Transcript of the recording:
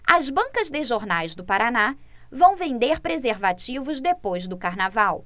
as bancas de jornais do paraná vão vender preservativos depois do carnaval